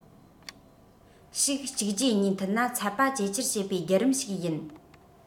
ཞིག གཅིག རྗེས གཉིས མཐུད ན ཚད པ ཇེ ཆེར བྱེད པའི བརྒྱུད རིམ ཞིག ཡིན